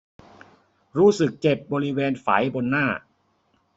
รู้สึกเจ็บบริเวณไฝบนหน้า